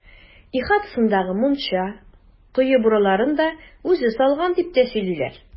Ихатасындагы мунча, кое бураларын да үзе салган, дип тә сөйлиләр.